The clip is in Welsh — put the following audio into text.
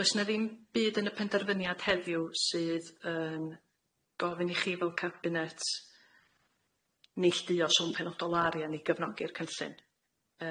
Does na ddim byd yn y penderfyniad heddiw sydd yn gofyn i chi fel cabinet neillduo swm penodol arian i gefnogi'r cynllun.